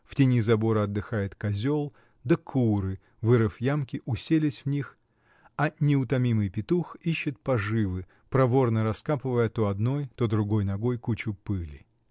в тени забора отдыхает козел, да куры, вырыв ямки, уселись в них, а неутомимый петух ищет поживы, проворно раскапывая то одной, то другой ногой кучу пыли.